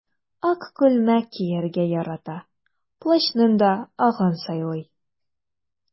Ак күлмәк кияргә ярата, плащның да агын сайлый.